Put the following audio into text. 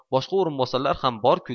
boshqa o'rinbosarlar ham bor ku